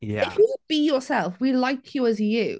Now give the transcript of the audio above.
If you be yourself, we like you as you.